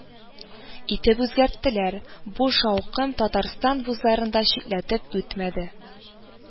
Итеп үзгәрттеләр; бу шаукым татарстан вузларын да читләтеп үтмәде: